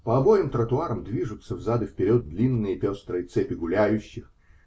По обоим тротуарам движутся взад и вперед длинные пестрые цепи гуляющих